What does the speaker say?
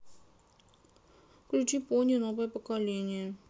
включи пони новое поколение